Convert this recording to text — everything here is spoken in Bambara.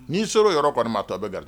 N'i sera yɔrɔ kɔni a to a bɛɛ ga